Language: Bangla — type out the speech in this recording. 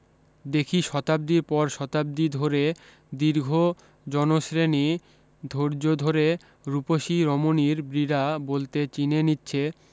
দেখি শতাব্দী পর শতাব্দী ধরে দীর্ঘ জনশরেণী ধৈর্য ধরে রূপসী রমনীর ব্রীড়া বলতে চীনে নিচ্ছে